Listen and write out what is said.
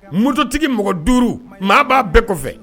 Mototigi mɔgɔ duuru maa b'a bɛɛ kɔfɛ.